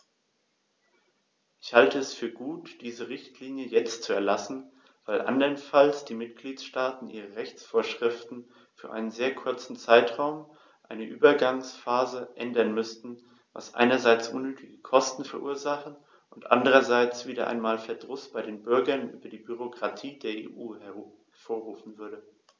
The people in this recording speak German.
Ich halte es für gut, diese Richtlinie jetzt zu erlassen, weil anderenfalls die Mitgliedstaaten ihre Rechtsvorschriften für einen sehr kurzen Zeitraum, eine Übergangsphase, ändern müssten, was einerseits unnötige Kosten verursachen und andererseits wieder einmal Verdruss bei den Bürgern über die Bürokratie der EU hervorrufen würde.